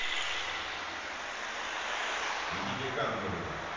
идите к ангелу